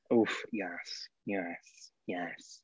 Oof, yes, yes, yes.